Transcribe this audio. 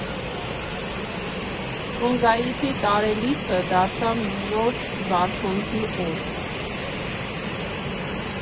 Սումգայիթի տարելիցը դարձավ մի նոր զարթոնքի օր.